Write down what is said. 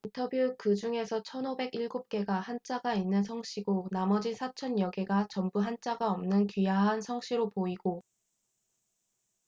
인터뷰 그중에서 천 오백 일곱 개가 한자가 있는 성씨고 나머지 사천 여 개가 전부 한자가 없는 귀화한 성씨로 보이고